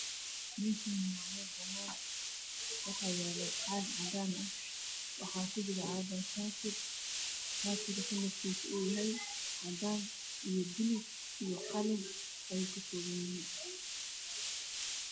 Meshan waa meel banaan waxaa yaalo caag cadan ah waxaa caaga kujiro shaati shaatiga kalarkisu yhy cadan iyo buloog iyo qalin ayoo kakoobanyhy